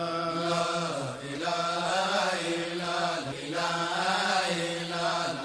Sanlala